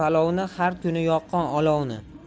har kuni yoqqin olovni